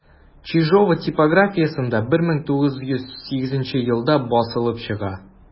Чижова типографиясендә 1908 елда басылып чыга.